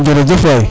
jerejef waay